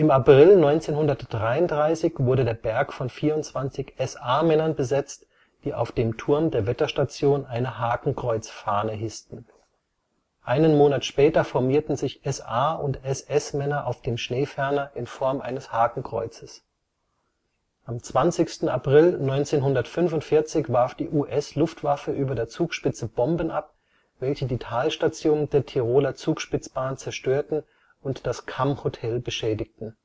April 1933 wurde der Berg von 24 SA-Männern besetzt, die auf dem Turm der Wetterstation eine Hakenkreuz-Fahne hissten. Einen Monat später formierten sich SA - und SS-Männer auf dem Schneeferner in Form eines Hakenkreuzes. Am 20. April 1945 warf die US-Luftwaffe über der Zugspitze Bomben ab, welche die Talstation der Tiroler Zugspitzbahn zerstörten und das Kammhotel beschädigten